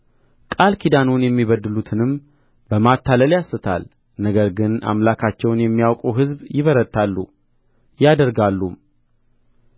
ቃል ኪዳኑን የሚበድሉትንም በማታለል ያስታል ነገር ግን አምላካቸውን የሚያውቁ ሕዝብ ይበረታሉ ያደርጋሉም